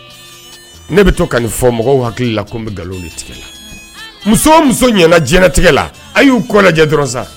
Ne bɛ to ka fɔ mɔgɔw hakili la n nkalon la musow muso ɲɛnatigɛ la y kɔ dɔrɔn